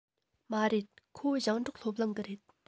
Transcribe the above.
མ རེད ཁོ ཞིང འབྲོག སློབ གླིང གི རེད